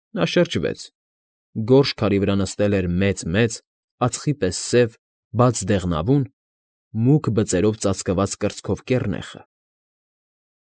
Նա շրջվեց. գորշ քարի վրա նստել էր մեծ֊մեծ, ածխի պես սև, բաց դեղնավուն, մուգ բծերով ծածկված կրծքով կեռնեխը։